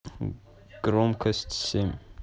громкость семь